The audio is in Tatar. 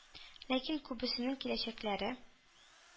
Ләкин күбесенең киләчәкләре